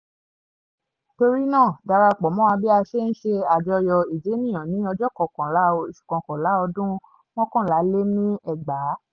Torí náà darapọ̀ mọ́ wa bí a ṣe ń ṣe àjọyọ̀ ìjénìyàn ní 11/11/11.